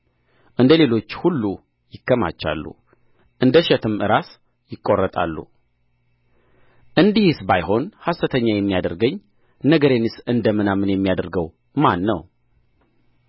እንደ ሌሎች ሁሉ ይከማቻሉ እንደ እሸትም ራስ ይቈረጣሉ እንዲህስ ባይሆን ሐሰተኛ የሚያደርገኝ ነገሬንስ እንደ ምናምን የሚያደርገው ማን ነው